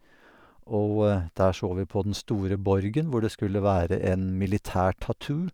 Og der så vi på den store borgen hvor det skulle være en militærtattoo.